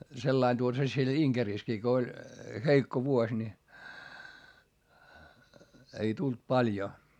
sellainen tuota se siellä Inkerissäkin kun oli heikko vuosi niin ei tullut paljon